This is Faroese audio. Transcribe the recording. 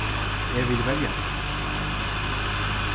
eg vil verja tykkum